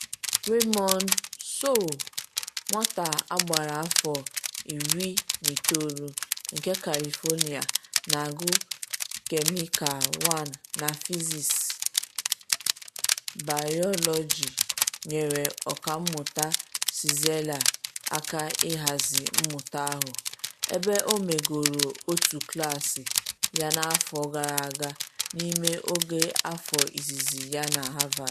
Raymond So, nwata gbara afọ 19 nke California na-agụ kemikal na fisikal baịyọlọji nyere Ọkammụta Czeisler aka ịhazi mmụta ahụ, ebe o megoro otu klaasị ya n’afọ gara aga n’ime oge afọ izizi ya na Harvard.